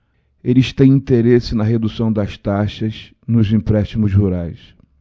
eles têm interesse na redução das taxas nos empréstimos rurais